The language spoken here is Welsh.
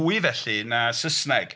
Fwy felly 'na Saesneg.